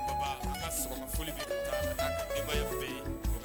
Baba ka sɔgɔma den fɛ yen